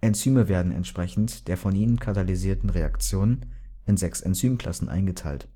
Enzyme werden entsprechend der von ihnen katalysierten Reaktion in sechs Enzymklassen eingeteilt: